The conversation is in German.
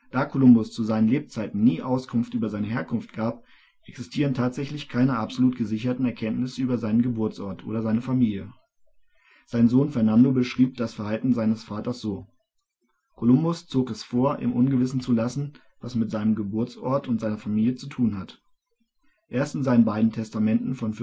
Da Kolumbus zu seinen Lebzeiten nie Auskunft über seine Herkunft gab, existieren tatsächlich keine absolut gesicherten Erkenntnisse über seinen Geburtsort oder seine Familie. Sein Sohn Fernando beschrieb das Verhalten seines Vaters so: Kolumbus » zog es vor, im Ungewissen zu lassen, was mit seinem Geburtsort und seiner Familie zu tun hat. « Erst in seinen beiden Testamenten von